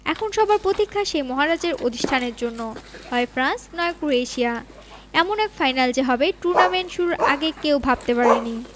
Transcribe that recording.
এখন সবার প্রতীক্ষা সেই মহারাজের অধিষ্ঠানের জন্য হয় ফ্রান্স নয় ক্রোয়েশিয়া এমন এক ফাইনাল যে হবে টুর্নামেন্ট শুরুর আগে কেউ ভাবতে পারেননি